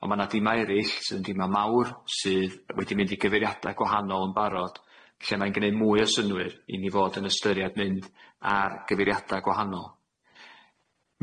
On' ma' 'na dima erill sy'n dima mawr sydd wedi mynd i gyfeiriada' gwahanol yn barod lle mae'n gneu' mwy o synnwyr i ni fod yn ystyriad mynd ar gyfeiriada' gwahanol.